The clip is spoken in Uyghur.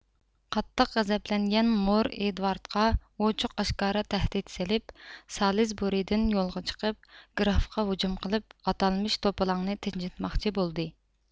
قاتتىق غەزەپلەنگەن مور ئېدۋاردقا ئوچۇق ئاشكارا تەھدىت سېلىپ سالىزبۇرىدىن يولغا چىقىپ گرافقا ھۇجۇم قىلىپ ئاتالمىش توپىلاڭ نى تىنچىتماقچى بولدى